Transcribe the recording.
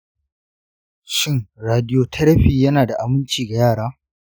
shin radiotherapy yana da aminci ga yara?